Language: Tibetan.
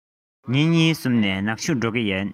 ཉིན གཉིས གསུམ ནས ནག ཆུར འགྲོ གི ཡིན